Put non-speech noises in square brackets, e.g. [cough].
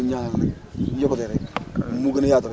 bon di leen ñaanal [noise] yokkute rek